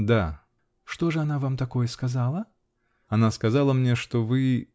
-- Да. -- Что же она вам такое сказала? -- Она сказала мне, что вы.